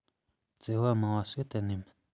བཙལ བ མང བ ཞིག གཏན ནས མིན